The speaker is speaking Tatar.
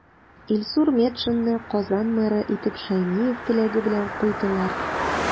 Илсур Метшинны Казан мэры итеп Шәймиев теләге белән куйдылар.